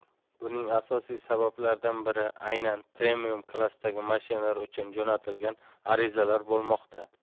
buning asosiy sabablaridan biri aynan premium klassdagi mashinalar uchun jo'natilgan arizalar bo'lmoqda